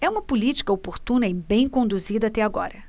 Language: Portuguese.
é uma política oportuna e bem conduzida até agora